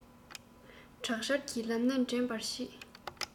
དྲག ཆར གྱི ལམ སྣེ འདྲེན པར བྱེད